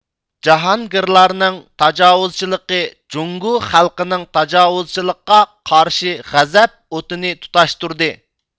جاھانگىرلارنىڭ تاجاۋۇزچىلىقى جۇڭگو خەلقنىڭ تاجاۋۇزچىلىققا قارشى غەزەپ ئوتىنى تۇتاشتۇردى